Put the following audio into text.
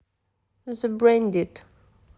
зе брейн дит